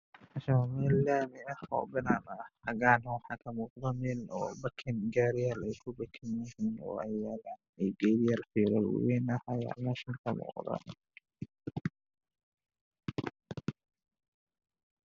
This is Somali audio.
Waa waddo waxaa ii muuqday guryo waxaa ka dambeeya masaajid cadaan ah munaasi aada u dheer tahay geed tallaal cagaar ayaa ii muuqda